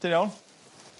Da iawn.